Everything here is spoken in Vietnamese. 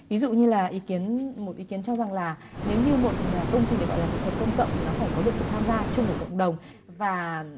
ví dụ như là ý kiến một ý kiến cho rằng là nếu như một công trình được gọi là nghệ thuật công cộng thì nó phải có được sự tham gia chung của cộng đồng và